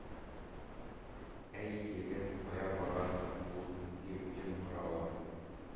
— әй, егет, кая барасың, ул нинди уен коралы,